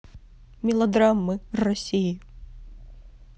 мелодрамы россии